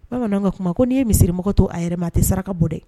Bamananw ka kuma, ko n'i ye misirimankan to a yɛrɛ ma, a tɛ saraka bɔ dɛ !